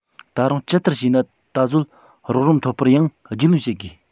ད རུང ཇི ལྟར བྱས ན ད གཟོད རོགས རམ ཐོབ པར ཡང རྒྱུས ལོན བྱེད དགོས